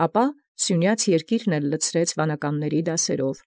Ապա և զերկիրն Սիւնեաց դասուք վանականաց լնոյր։